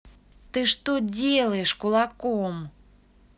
ты что делаешь кулаком